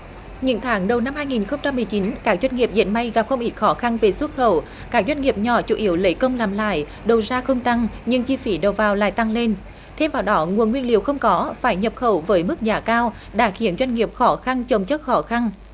những tháng đầu năm hai nghìn không trăm mười chín các doanh nghiệp dệt may gặp không ít khó khăn về xuất khẩu các doanh nghiệp nhỏ chủ yếu lấy công làm lãi đầu ra không tăng nhưng chi phí đầu vào lại tăng lên thêm vào đó nguồn nguyên liệu không có phải nhập khẩu với mức giá cao đã khiến doanh nghiệp khó khăn chồng chất khó khăn